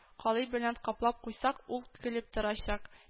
Калай белән каплап куйсак, ул көлеп торачак